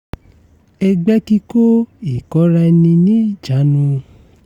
Ẹgbẹ́kíkó, ìkóraẹni-níjàánu